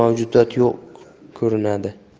mavjudot yo'q ko'rinadi